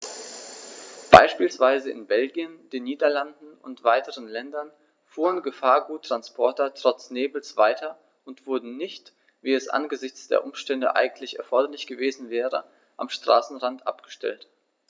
Beispielsweise in Belgien, den Niederlanden und weiteren Ländern fuhren Gefahrguttransporter trotz Nebels weiter und wurden nicht, wie es angesichts der Umstände eigentlich erforderlich gewesen wäre, am Straßenrand abgestellt.